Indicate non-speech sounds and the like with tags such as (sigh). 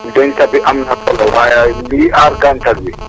(noise) denc bi am na solo waaye liy aar gàncax bi (noise)